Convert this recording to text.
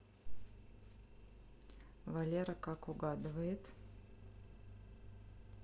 валера как угадывает